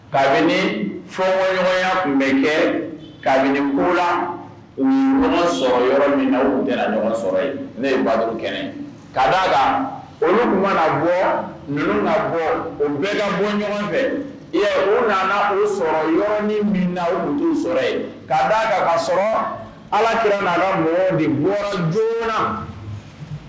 Kabini fɔɲɔgɔnya tun bɛ kɛ kabini' la u sɔrɔ yɔrɔ min na u kɛra ɲɔgɔn sɔrɔ ne baro kɛnɛ ka da da olu tun na bɔ ninnu ka bɔ u bɛ ka bɔ ɲɔgɔn fɛ ɛ u nana u sɔrɔ yɔrɔ min bɛ na u sɔrɔ ka ka sɔrɔ alaki la mɔgɔ ni bɔ joona